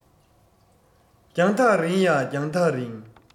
རྒྱང ཐག རིང ཡ རྒྱང ཐག རིང